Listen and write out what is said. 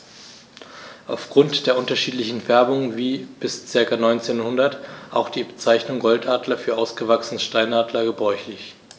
Auf Grund der unterschiedlichen Färbung war bis ca. 1900 auch die Bezeichnung Goldadler für ausgewachsene Steinadler gebräuchlich.